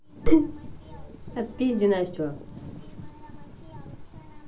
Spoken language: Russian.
отпизди настю